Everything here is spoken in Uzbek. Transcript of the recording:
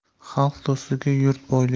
xalq do'stligi yurt boyligi